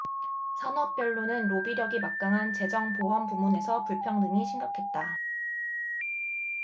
산업별로는 로비력이 막강한 재정 보험 부문에서 불평등이 심각했다